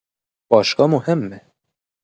باشگاه مهمه